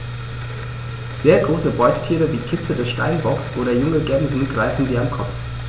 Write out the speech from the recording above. Sehr große Beutetiere wie Kitze des Steinbocks oder junge Gämsen greifen sie am Kopf.